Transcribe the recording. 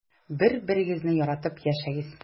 Бер-берегезне яратып яшәгез.